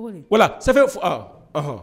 Wala sɛgɛ